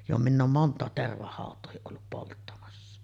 jo minä olen monta tervahautaakin ollut polttamassa